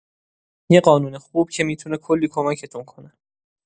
یه قانون خوب که می‌تونه کلی کمکتون کنه.